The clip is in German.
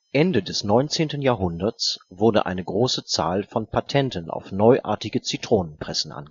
Ende des 19. Jahrhunderts wurde eine große Zahl von Patenten auf neuartige Zitronenpressen